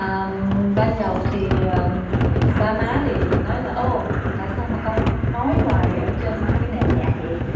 à ban đầu thì ba má thì nói là ô tại sao mà con nói hoài ở trên một cái nền nhạc vậy